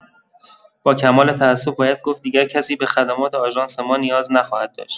با کمال تاسف باید گفت دیگر کسی به خدمات آژانس ما نیاز نخواهد داشت.